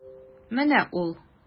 Менә ул.